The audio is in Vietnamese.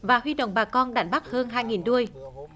và huy động bà con đại bắc hơn hai nghìn đuôi